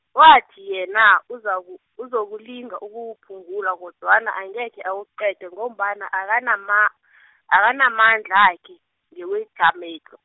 wathi yena, uzaku- uzokulinga ukuwuphungula, kodwana angekhe awuqede ngombana akanama- , akanamandlakhe, ngewedlhamedlhu.